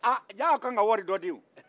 aaa jaa aw kakan wari dɔ di